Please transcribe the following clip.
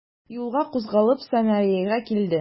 Юлга кузгалып, Самареяга килде.